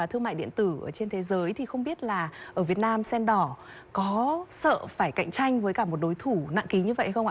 thương mại điện tử ở trên thế giới thì không biết là ở việt nam sen đỏ có sợ phải cạnh tranh với cả một đối thủ nặng ký như vậy không ạ